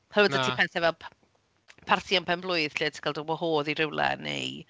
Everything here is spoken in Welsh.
Oherwydd... na. ...'da ti pethau fel p- partïon penblwydd lle oeddet ti'n cael dy wahodd i rywle neu...